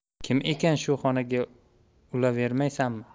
kim ekan shu xonaga ulavermaysanmi